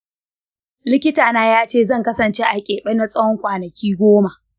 likitana ya ce zan kasance a keɓe na tsawon kwanaki goma.